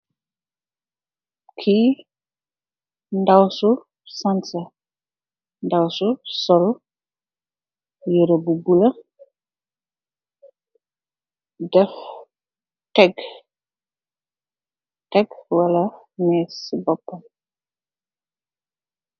Kii ndaw su sanseh , ndawci sol yirèh bu bula def tek wala més ci bópam bi.